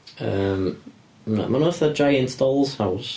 Yym na. Maen nhw'n fatha giant dolls house.